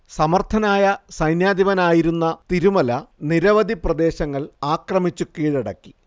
സമർഥനായ സൈന്യാധിപനായിരുന്ന തിരുമല നിരവധി പ്രദേശങ്ങൾ ആക്രമിച്ചു കീഴടക്കി